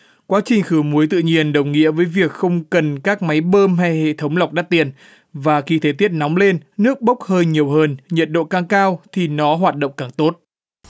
quá trình khử muối tự nhiên đồng nghĩa với việc không cần các máy bơm hay hệ thống lọc đắt tiền và khi thời tiết nóng lên nước bốc hơi nhiều hơn nhiệt độ càng cao thì nó hoạt động càng tốt